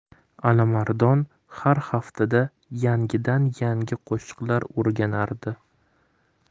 alimardon har haftada yangidan yangi qo'shiqlar o'rganardi